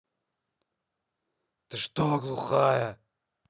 ты что глухая